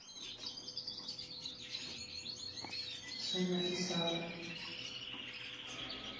сумерки сага